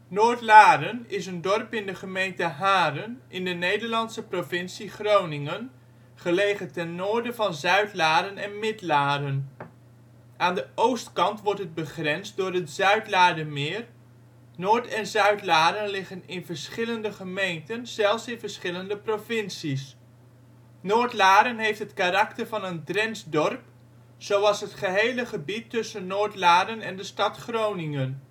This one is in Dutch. Noordloaren) is een dorp in de gemeente Haren, in de Nederlandse provincie Groningen, gelegen ten noorden van Zuidlaren en Midlaren. Aan de oostkant wordt het begrensd door het Zuidlaardermeer. Noord - en Zuidlaren liggen in verschillende gemeenten, zelfs in verschillende provincies. Noordlaren heeft het karakter van een Drents dorp, zoals het gehele gebied tussen Noordlaren en de stad Groningen